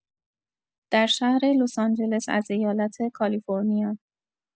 در شهر لس‌آنجلس از ایالت کالیفرنیا